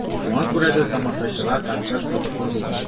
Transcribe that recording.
Шуңа күрә дә тамашачыга концерт кызыклы булды.